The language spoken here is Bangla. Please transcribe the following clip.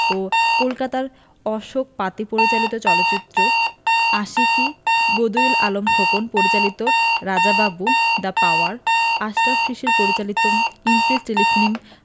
ও কলকাতার অশোক পাতি পরিচালিত চলচ্চিত্র আশিকী বদিউল আলম খোকন পরিচালিত রাজা বাবু দ্যা পাওয়ার আশরাফ শিশির পরিচালিত ইমপ্রেস টেলিফিল্ম